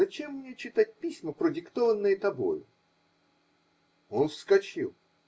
Зачем мне читать письма, продиктованные тобою? Он вскочил.